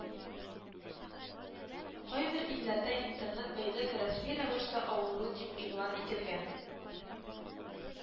Кайбер илләрдә интернет-бәйлелек рәсми рәвештә авыру дип игълан ителгән